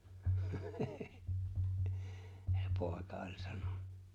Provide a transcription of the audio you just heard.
se poika oli sanonut